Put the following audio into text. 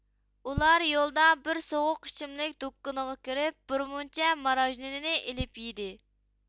ئۇلار يولدا بىر سوغۇق ئىچىملىك دوكىنىغا كىرىپ بىرمۇنچە مارۇژنىنى ئېلىپ يىدى